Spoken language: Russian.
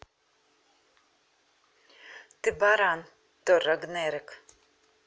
ты баран тор рагнарек